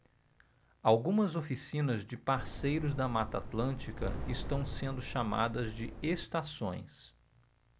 algumas oficinas de parceiros da mata atlântica estão sendo chamadas de estações